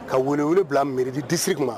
Ka wele wele bila mairie du district ma